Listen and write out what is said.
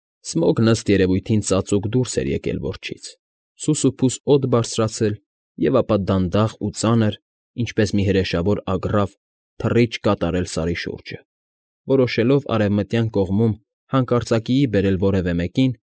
Սմոգն ըստ երևույթին ծածուկ դուրս էր եկել որջից, սուսուփուս օդ բարձրացել և ապա դանդաղ ու ծանր, ինչպես մի հրեշավոր ագռավ, թռիչք կատարել սարի շուրջը, որոշելով արևմտյան կողմում հանկարծակիի բերել որևէ մեկին։